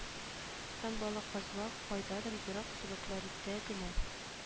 Һәм бәлаказлар кайдадыр ерак төбәкләрдә генә